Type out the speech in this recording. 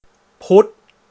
พุธ